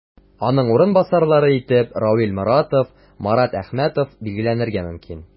Аның урынбасарлары итеп Равил Моратов, Марат Әхмәтов билгеләнергә мөмкин.